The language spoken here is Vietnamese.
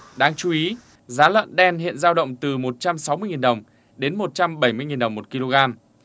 đáng chú ý giá lợn đen hiện dao động từ một trăm sáu mươi nghìn đồng đến một trăm bảy mươi nghìn đồng một ki lô gam